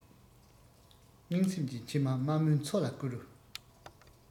སྨྲེངས སེམས ཀྱི མཆི མ དམའ མོའི མཚོ ལ བསྐུར